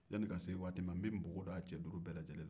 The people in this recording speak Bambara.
yani k'a se waati ma n bɛ npogo don aw cɛ duuru bɛɛ lajɛlen na